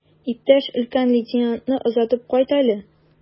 Иптәш өлкән лейтенантны озатып кайт әле.